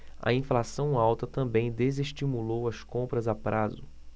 a inflação alta também desestimulou as compras a prazo